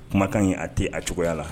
Kumakan ɲi a tɛ a cogoya la